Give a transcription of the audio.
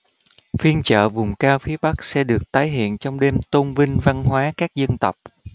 phiên chợ vùng cao phía bắc sẽ được tái hiện trong đêm tôn vinh văn hóa các dân tộc